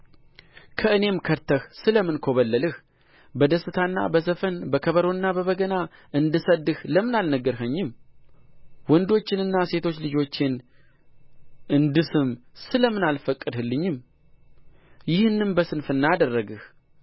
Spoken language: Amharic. ከእኔም ከድተህ ስለምን ኮበለልህ በደስታና በዘፈን በከበሮና በበገና እንድሰድድህ ለምን አልነገርኸኝም ወንዶቹንና ሴቶቹን ልጆቼን እንድስም ስለ ምን አልፈቀድህልኝም ይህንም በስንፍና አደረግህ